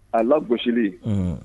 A la gosisilen